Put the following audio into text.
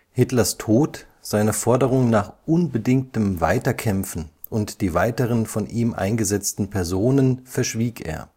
Hitlers Tod, seine Forderung nach unbedingtem Weiterkämpfen und die weiteren von ihm eingesetzten Personen verschwieg er